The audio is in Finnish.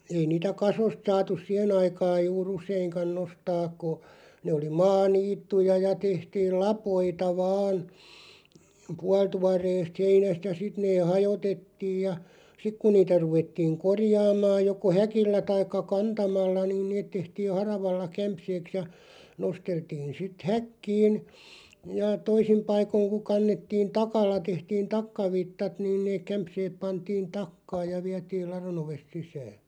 ei niitä kasoista saatu siihen aikaan juuri useinkaan nostaa kun ne oli maaniittyjä ja tehtiin lapoita vain puolituoreesta heinästä ja sitten ne hajoitettiin ja ja sitten kun niitä ruvettiin korjaamaan joko häkillä tai kantamalla niin ne tehtiin haravalla kämseeksi ja nosteltiin sitten häkkiin ja toisin paikoin kun kannettiin takalla tehtiin takkavitsat noin ne kämseet pantiin takkaan ja vietiin ladon ovesta sisään